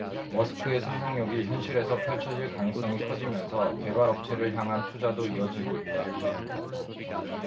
머스크의 상상력이 현실에서 펼쳐질 가능성이 커지면서 개발업체를 향한 투자도 이어지고 있다